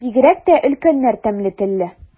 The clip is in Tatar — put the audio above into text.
Бигрәк тә өлкәннәр тәмле телле.